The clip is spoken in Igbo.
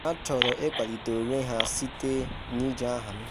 “Ha chọrọ ịkwalite onwe ha site na iji aha m.